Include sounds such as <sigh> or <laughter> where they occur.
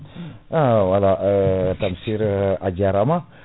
<breath> <hesitation> voilà <hesitation> Tamsir ajarama <breath>